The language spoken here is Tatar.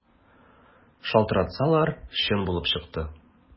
Шалтыратсалар, чын булып чыкты.